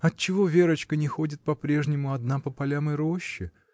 Отчего Верочка не ходит по-прежнему одна по полям и роще?